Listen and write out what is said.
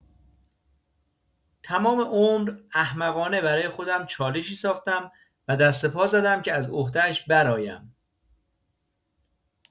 تمام عمر، احمقانه برای خودم چالشی ساختم و دست و پا زدم که از عهده‌اش برآیم.